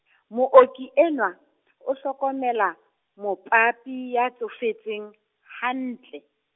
mooki enwa, o hlokomela, mopapi ya tsofetseng, hantle.